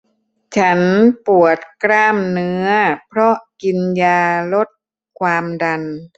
ฉันปวดกล้ามเนื้อเพราะกินยาลดความดัน